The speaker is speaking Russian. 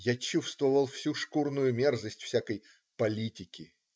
Я чувствовал всю шкурную мерзость всякой "политики".